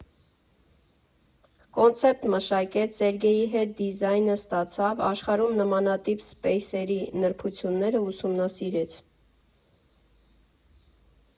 Կոնցեպտ մշակեց, Սերգեյի հետ դիզայնը ստացավ, աշխարհում նմանատիպ սփեյսերի նրբությունները ուսումնասիրեց։